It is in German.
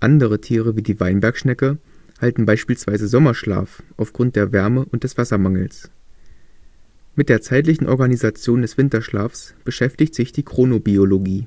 Andere Tiere, wie die Weinbergschnecke, halten beispielsweise Sommerschlaf aufgrund der Wärme und des Wassermangels. Mit der zeitlichen Organisation des Winterschlafs beschäftigt sich die Chronobiologie